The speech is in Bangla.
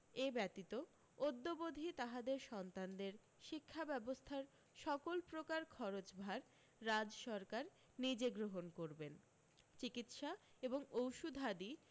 এ ব্যতীত অদ্যবধি তাহাদের সন্তানদের শিক্ষাব্যবস্থার সকলপ্রকার খরচভার রাজসরকার নিজে গ্রহন করবেন চিকিৎসা এবং ঔষধাদি